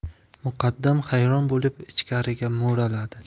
muqaddam hayron bo'lib ichkariga mo'raladi